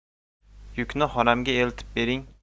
yukni xonamga eltib bering